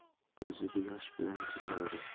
ko'zida yosh bilan jilmaydi